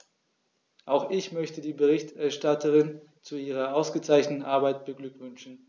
Auch ich möchte die Berichterstatterin zu ihrer ausgezeichneten Arbeit beglückwünschen.